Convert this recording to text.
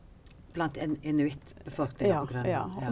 blant en inuittbefolkning på Grønland ja.